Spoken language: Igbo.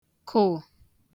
kụ̀